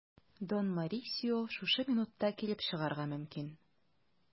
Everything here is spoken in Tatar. Дон Морисио шушы минутта килеп чыгарга мөмкин.